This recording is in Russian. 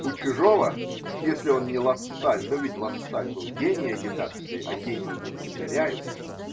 У чужого – если он не Лассаль, но ведь Лассаль был гений агитации, а гении не повторяются.